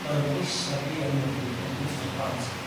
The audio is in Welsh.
Mae o'n bleser gin i ar hyn o bryd bod o gwmpas y plant.